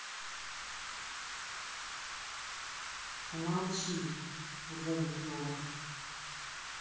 помолчи грузовик лева